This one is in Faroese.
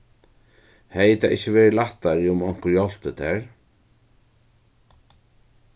hevði tað ikki verið lættari um onkur hjálpti tær